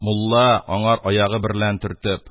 Мулла аңар аягы берлән төртеп: